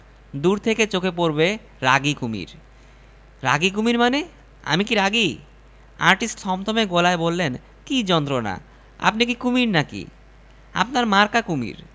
সে কুমীরের ছবি একে চারদিকে ছয়লাপ করে দেবে তাকে যত্নে রাখবেন গাজা না খেয়ে সে ছবি আঁকতে পারে না